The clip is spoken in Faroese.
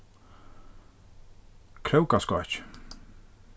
krókaskákið